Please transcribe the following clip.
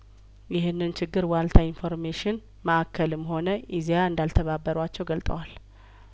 ይህንን ችግር ዋልታ ኢንፎርሜሽን ማእከልም ሆነ ኢዜአ እንዳልተባበሯቸው ገልጠዋል